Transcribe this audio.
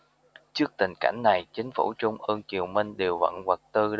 trước tình cảnh này chính phủ trung ương triều minh điều vận vật tư